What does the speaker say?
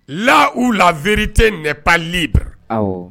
La u la vte minɛ pali ta aw